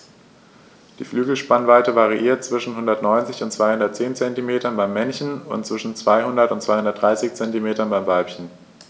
Die Flügelspannweite variiert zwischen 190 und 210 cm beim Männchen und zwischen 200 und 230 cm beim Weibchen.